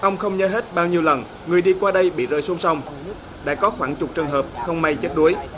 ông không nhớ hết bao nhiêu lần người đi qua đây bị rơi xuống sông đã có khoảng chục trường hợp không may chết đuối